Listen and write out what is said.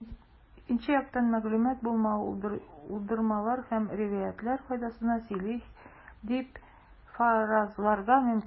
Икенче яктан, мәгълүмат булмау уйдырмалар һәм риваятьләр файдасына сөйли дип фаразларга мөмкин.